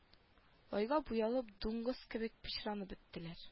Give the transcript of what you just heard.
Лайга буялып дуңгыз кебек пычранып беттеләр